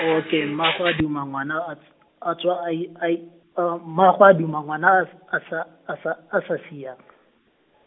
okay, mmaagwe a duma ngwana a ts-, a tswa a i-, a i-, , mmaagwe a duma ngwana a s- a sa, a sa, a sa sia .